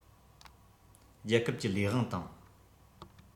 རྒྱལ ཁབ ཀྱི ལས དབང དང